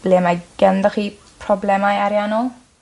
ble mae ganddoch chi problemau ariannol.